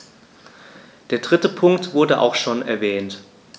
Der dritte Punkt wurde auch schon erwähnt.